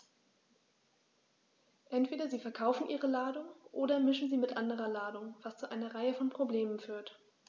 Entweder sie verkaufen ihre Ladung oder mischen sie mit anderer Ladung, was zu einer Reihe von Problemen führt.